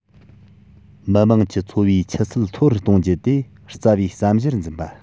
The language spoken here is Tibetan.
མི དམངས ཀྱི འཚོ བའི ཆུ ཚད མཐོ རུ གཏོང རྒྱུ དེ རྩ བའི བསམ གཞིར འཛིན པ